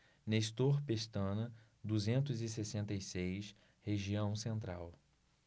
nestor pestana duzentos e sessenta e seis região central